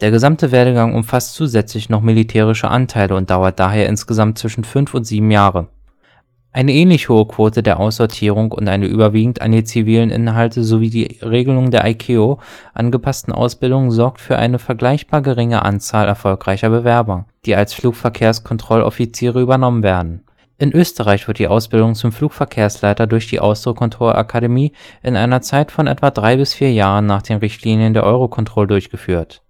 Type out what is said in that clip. gesamte Werdegang umfasst zusätzlich noch militärische Anteile und dauert daher insgesamt zwischen fünf und sieben Jahre. Eine ähnlich hohe Quote der Aussortierung und eine überwiegend an die zivilen Inhalte sowie den Regeln der ICAO angepasste Ausbildung sorgt für eine vergleichbar geringe Anzahl erfolgreicher Bewerber, die als Flugverkehrskontrolloffiziere übernommen werden. In Österreich wird die Ausbildung zum Flugverkehrsleiter durch die Austro Control Akademie in einer Zeit von etwa 3 bis 4 Jahren nach den Richtlinien der Eurocontrol durchgeführt